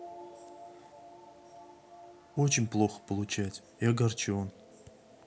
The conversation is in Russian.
очень плохо получать и огорчен